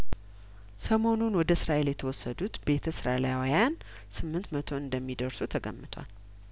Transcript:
ሰሞኑን ወደ እስራኤል የተወሰዱት ቤተ እስራኤላዊያን ስምንት መቶ እንደሚደርሱ ተገምቷል